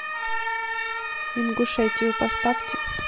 ингушетию поставьте